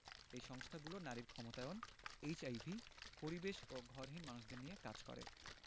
এই সংস্থাগুলো নারীর ক্ষমতায়ন এইচআইভি পরিবেশ ও ঘরহীন মানুষদের নিয়ে কাজ করে